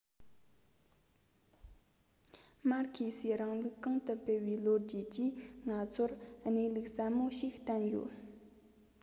མར ཁེ སིའི རིང ལུགས གོང དུ འཕེལ བའི ལོ རྒྱུས ཀྱིས ང ཚོར གནས ལུགས ཟབ མོ ཞིག བསྟན ཡོད